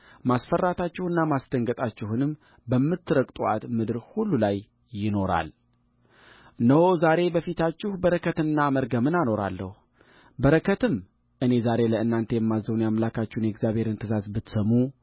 ማስፈራታችሁን ማስደንገጣችሁንም በምትረግጡአት ምድር ሁሉ ላይ ያኖራልእነሆ እኔ ዛሬ በፊታችሁ በረከትንና መርገምን አኖራለሁበረከትም እኔ ዛሬ ለእናንተ የማዝዘውን የአምላካችሁን የእግዚአብሔርን ትእዛዝ ብትሰሙ